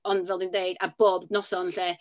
Ond, fel dwi'n deud, a bob noson 'lly.